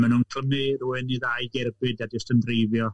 Ma' nw'n clymu rywun i ddau gerbyd a jyst yn dreifio.